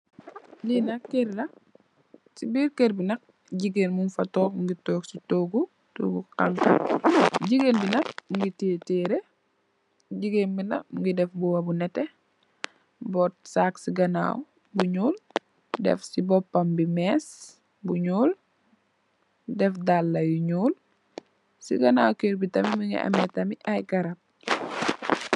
Li nak keur la si birr keur bi nak jigeen mung fa tog togu xanxa jigeen bi nak mongi tiye tere mongi sol mbuba bu nete boot saag si kanaw bu nuul def bopam bi mess bu nuul def daala yu nuul si ganaw keur bi tamit mongi ame tamit ay garab.